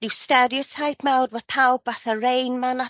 ryw sterioteip mawr ma' pawb fatha Rain Man a